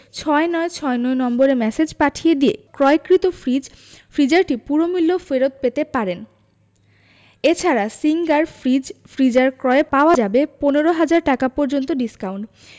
৬৯৬৯ নম্বরে ম্যাসেজ পাঠিয়ে দিয়ে ক্রয়কৃত ফ্রিজ/ফ্রিজারটির পুরো মূল্য ফেরত পেতে পারেন এ ছাড়া সিঙ্গার ফ্রিজ/ফ্রিজার ক্রয়ে পাওয়া যাবে ১৫ ০০০ টাকা পর্যন্ত ডিসকাউন্ট